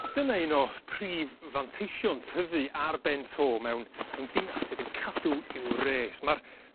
A dyna un o prif fanteision tyfu ar ben to mewn mewn dinas sydd yn cadw i'w res ma'r